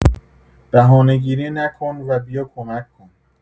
بهانه‌گیری نکن و بیا کمک کن.